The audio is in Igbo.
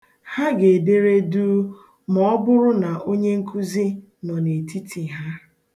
Ha ga-edere duu ma ọ bụrụ na onyenkuzi nọ n'etiti ha.